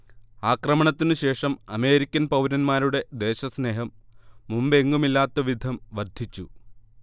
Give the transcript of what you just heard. ആക്രമണത്തിനു ശേഷം അമേരിക്കൻ പൗരന്മാരുടെ ദേശസ്നേഹം മുമ്പെങ്ങുമില്ലാത്ത വിധം വർദ്ധിച്ചു